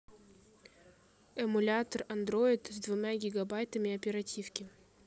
эмулятор андроид с двумя гигабайтами оперативки